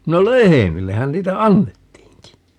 no lehmillehän niitä annettiinkin